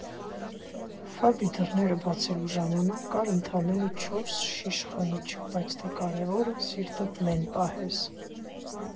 Փաբի դռները բացելու ժամանակ կար ընդամենը չորս շիշ խմիչք, բայց դե կարևորը՝ սիրտդ լեն պահես։